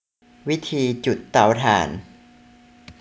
วิธีจุดเตาถ่าน